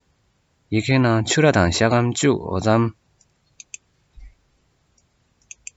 ཡི གེའི ནང ཕྱུར ར དང ཤ སྐམ འོ ཕྱེ